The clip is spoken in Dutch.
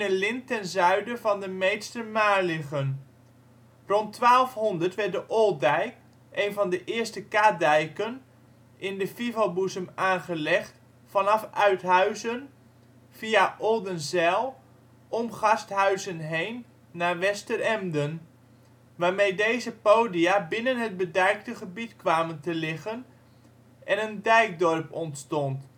lint ten zuiden van de Meedstermaar liggen. Rond 1200 werd de Oldijk, een van de eerste kadijken (zomerdijken) in de Fivelboezem aangelegd vanaf Uithuizen via Oldenzijl, om Garsthuizen heen naar Westeremden, waarmee deze podia binnen het bedijkte gebied kwamen te liggen en een dijkdorp ontstond